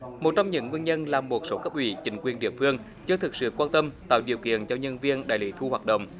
một trong những nguyên nhân là một số cấp ủy chính quyền địa phương chưa thực sự quan tâm tạo điều kiện cho nhân viên đại lý thu hoạt động